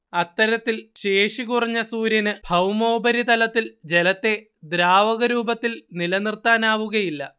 അത്തരത്തിൽ ശേഷി കുറഞ്ഞ സൂര്യന് ഭൗമോപരിതലത്തിൽ ജലത്തെ ദ്രാവക രൂപത്തിൽ നിലനിർത്താനാവുകയില്ല